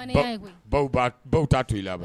Baw baw baw t'a to' i labɛn